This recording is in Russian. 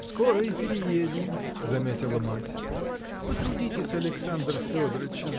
– Скоро и переедем, – заметила мать. – Потрудитесь Александр Федорыч